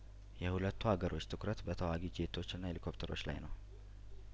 የሁለቱ ሀገሮች ትኩረት በተዋጊ ጄቶችና ሄሊኮፕተሮች ላይ ነው